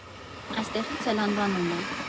Այստեղից էլ անվանումը։